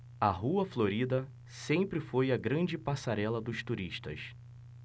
a rua florida sempre foi a grande passarela dos turistas